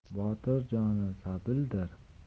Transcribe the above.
botir joni sabildir